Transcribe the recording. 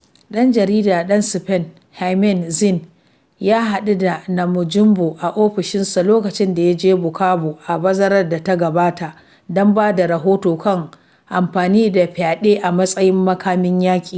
Ɗan jarida ɗan Spain, Hernán Zin, ya haɗu da Namujimbo a ofishinsa lokacin da ya je Bukavu a bazarar da ta gabata don ba da rahoto kan amfani da fyaɗe a matsayin makamin yaƙi.